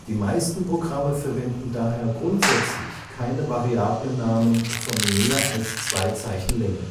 meisten Programme verwenden daher grundsätzlich keine Variablennamen von mehr als zwei Zeichen Länge